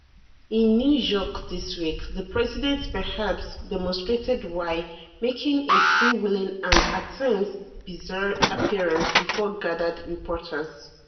In New York this week the president perhaps demonstrated why, making a freewheeling and at times bizarre appearance before gathered reporters.